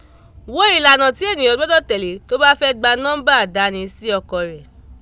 Wo ìlànà tí ènìyàn gbọdọ̀ tẹ̀lé tó bá fẹ́ gba nọ́ḿbà àdáni sí ọkọ̀ rẹ̀.